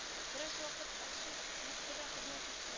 Бераз вакыт әлсүр литвада хезмәт итте